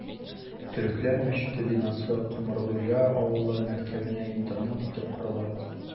Төрекләр мәчете бинасы Комыргуҗа авылы мәктәбенә интернат итеп корыла...